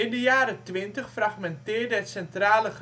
jaren twintig fragmenteerde het centrale